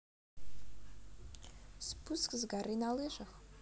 спуск с горы на лыжах